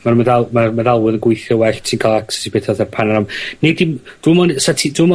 ma'r meddal- ma'r meddalwedd yn gweithio well ti'n ca'l access i peth fatha panoram-... Neu' di'm dim ond 'sa ti... Dw'mo'